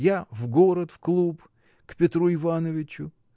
Я — в город, в клуб — к Петру Ивановичу.